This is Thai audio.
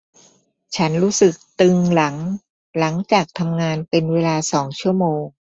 ฉันรู้สึกตึงหลังหลังจากทำงานเป็นเวลาสองชั่วโมง